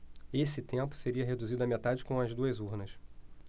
esse tempo seria reduzido à metade com as duas urnas